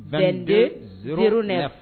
2209